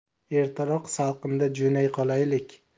ertaroq salqinda jo'nay qolaylik